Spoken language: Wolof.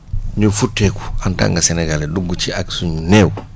ñu futteeku en tant que sénégalais dugg ci ak suñu néew